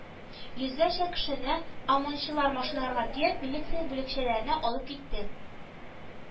Йөзләрчә кешене ОМОНчылар машиналарга төяп, милиция бүлекчәләренә алып китте